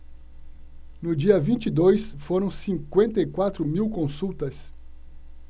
no dia vinte e dois foram cinquenta e quatro mil consultas